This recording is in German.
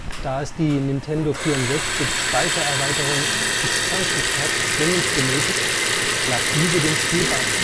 Da es die Nintendo-64-Speichererweiterung Expansion Pak zwingend benötigt, lag diese dem Spiel bei